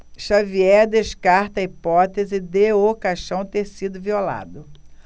xavier descarta a hipótese de o caixão ter sido violado